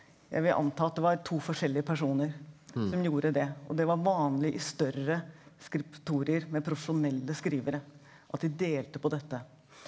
jeg vil anta at det var to forskjellige personer som gjorde det og det var vanlig i større skriptorier med profesjonelle skrivere at de delte på dette.